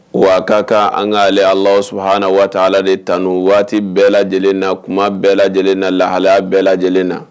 Wa a ka kan an ka ale Allahou Soubhana wa ta Ala de tano, waati bɛɛ lajɛlen na, tuma bɛɛ lajɛlen na, lahala bɛɛ lajɛlen na.